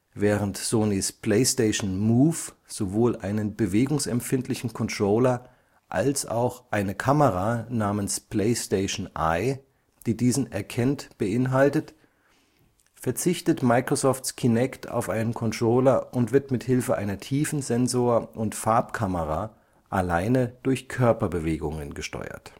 Während Sonys PlayStation Move sowohl einen bewegungsempfindlichen Controller als auch eine Kamera (PlayStation Eye), die diesen erkennt, beinhaltet, verzichtet Microsofts Kinect auf einen Controller und wird mithilfe einer Tiefensensor - und Farbkamera alleine durch Körperbewegungen gesteuert